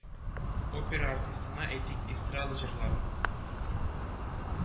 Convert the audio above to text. Опера артистына, әйтик, эстрада җырларын